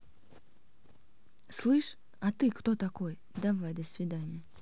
слышь а ты кто такой давай до свидания